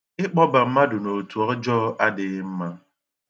Ịkpọba mmadụ n'otu ọjọọ adịghị mma.